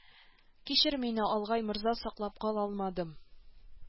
Кичер мине алгай морза саклап кала алмадым